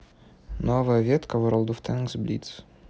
новая ветка world of tanks blitz